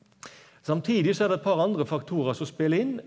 samtidig så er det eit par andre faktorar som speler inn.